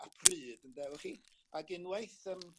a pryd ynde efo chi ac unwaith yym